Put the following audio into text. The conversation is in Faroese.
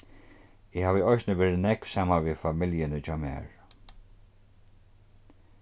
eg havi eisini verið nógv saman við familjuni hjá mær